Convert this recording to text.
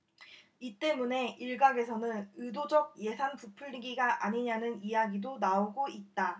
이 때문에 일각에서는 의도적예산 부풀리기가 아니냐는 이야기도 나오고 있다